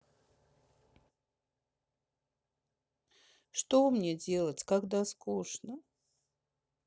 что мне делать когда скучно